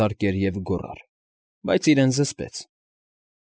Բայց իրեն զսպեց։